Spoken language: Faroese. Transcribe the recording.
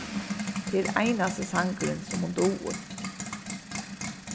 tað er einasti sangurin sum hon dugir